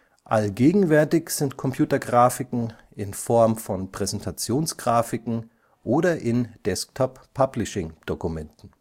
Allgegenwärtig sind Computergrafiken in Form von Präsentationsgrafiken oder in Desktop-Publishing-Dokumenten